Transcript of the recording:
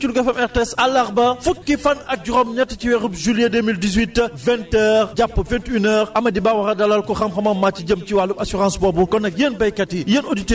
assurance boobu naka lay demee lan mooy assurance boobu naka nga ciy bokkee loolu la ñuy waxtaanee fii ci Louga FM RTS àllarba fukki fan ak juróom-ñett ci weerub juillet deux mille dix huit vingt heure jàp vingt une heure